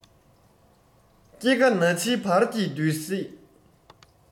སྐྱེ རྒ ན འཆི བར གྱི འདོད སྲེད